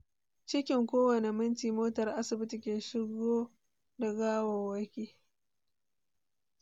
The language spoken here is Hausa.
“Cikin kowane minti motar asibiti ke shigo da gawawaki.